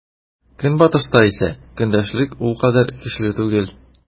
Көнбатышта исә көндәшлек ул кадәр көчле түгел.